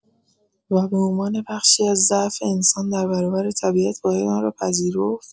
و به عنوان بخشی از ضعف انسان در برابر طبیعت باید آن را پذیرفت؟